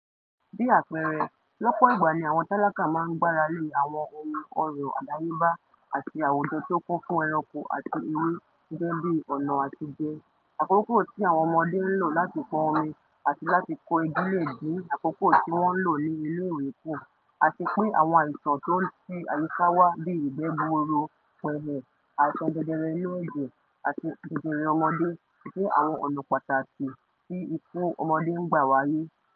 Bí àpẹẹrẹ, lọ́pọ̀ ìgbà ni àwọn tálákà máa ń gbára lé àwọn àwọn ohun ọrọ̀ àdáyébá àti àwùjọ tó kún fún ẹranko àti ewé gẹ́gẹ́ bí ọ̀nà àtije; àkókò tí àwọn ọmọdé ń lò láti pọn omi àti láti kó igi lè dín àkókò tí wọn ń lò ní iléèwé kú ; àti pé àwọn àìsàn tó ń ti àyíká wá bí ìgbẹ́ gbuuru, pẹ̀hẹ̀, àìsàn jẹjẹrẹ inú ẹ̀jẹ̀, àti jẹjẹrẹ ọmọdé jẹ́ àwọn ọ̀nà pàtàkì ikú àwọn ọmọdé ń gbà wáyé.